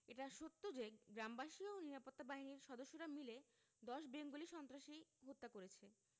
এটা সত্য যে গ্রামবাসী ও নিরাপত্তা বাহিনীর সদস্যরা মিলে ১০ বেঙ্গলি সন্ত্রাসী হত্যা করেছে